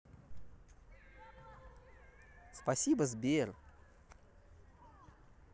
спасибо сбер